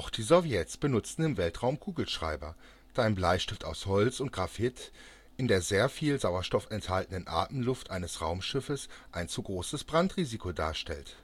die Sowjets benutzten im Weltraum Kugelschreiber, da ein Bleistift aus Holz und Graphit in der sehr viel Sauerstoff enthaltenden Atemluft eines Raumschiffes ein zu großes Brandrisiko darstellt